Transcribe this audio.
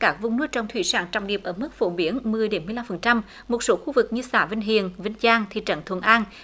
các vùng nuôi trồng thủy sản trọng điểm ở mức phổ biến mười để mươi lăm phần trăm một số khu vực như xã vinh hiền vinh giang thị trấn thuận an